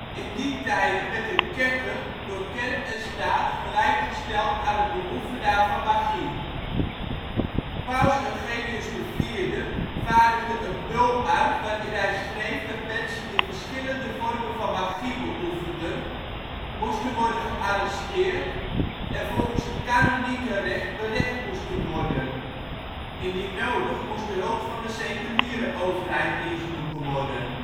In die tijden werd een ketter door kerk en staat gelijkgesteld aan een beoefenaar van magie. Paus Eugenius IV vaardigde een bul uit waarin hij schreef dat mensen die verschillende vormen van magie beoefenden moesten worden gearresteerd en volgens het canonieke recht berecht moesten worden. Indien nodig moest de hulp van de seculiere overheid ingeroepen worden